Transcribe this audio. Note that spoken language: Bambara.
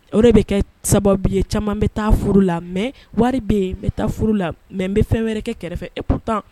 O de bɛ kɛ sababu ye caman bɛ taa furu la mais wari bɛ ye n bɛ taa furu la mais n bɛ fɛn wɛrɛ kɛ kɛrɛfɛ et pourtant